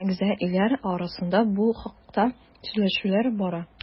Әгъза илләр арасында бу хакта сөйләшүләр бара.